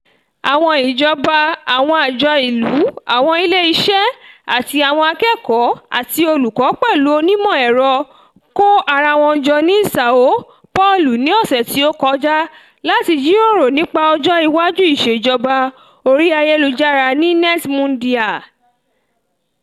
Àwọn ìjọba, àwọn àjọ ìlú, àwọn ilé iṣẹ́, àti àwọn akẹ́kọ̀ọ́ àti olùkọ́ pẹ̀lú àwọn onímọ̀ ẹ̀rọ kó ara wọn jọ ní Sao Paulo ní ọ̀sẹ̀ tí ó kọjá láti jíròrò nípa ọjọ́ iwájú ìṣèjọba orí ayélujára ní NETmundial.